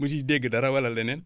mu siy dégg dara wala lenee